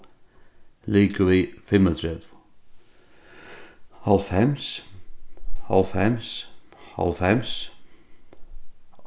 ligvið fimmogtretivu hálvfems hálvfems hálvfems